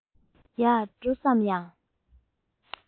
ཡར ལ འགྲོ བསམ ཡང